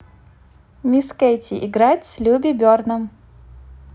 miss katy играть с люби берном